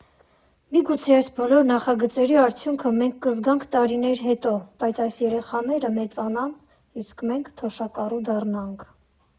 ֊ Միգուցե այս բոլոր նախագծերի արդյունքը մենք կզգանք տարիներ հետո, երբ այս երեխաները մեծանան, իսկ մենք թոշակառու դառնանք։